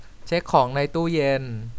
เช็คของในตู้เย็น